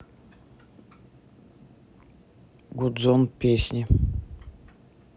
гудзон песни